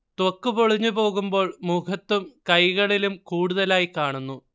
ത്വക്ക് പൊളിഞ്ഞു പോകുമ്പോൾ മുഖത്തും കൈകളിലും കൂടുതലായി കാണുന്നു